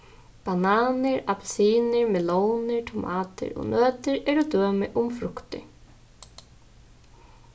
bananir appilsinir melónir tomatir og nøtir eru dømi um fruktir